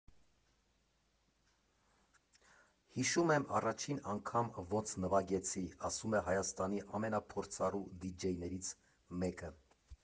֊ Հիշում եմ՝ առաջին անգամ ոնց նվագեցի, ֊ ասում է Հայաստանի ամենափորձառու դիջեյներից մեկ,.